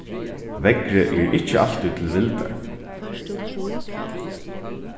veðrið er ikki altíð til vildar